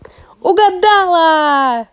угадала